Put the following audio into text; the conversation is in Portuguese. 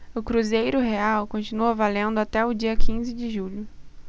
o cruzeiro real continua valendo até o dia quinze de julho